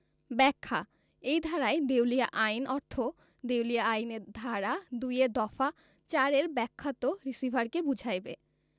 ব্যাখ্যা এই ধারায় দেউলিয়া আইন অর্থ দেউলিয়া আইনের ধারা ২ এর দফা ৪ এর ব্যাখ্যাত রিসিভারকে বুঝাইবে